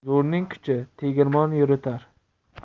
zo'rning kuchi tegirmon yuritar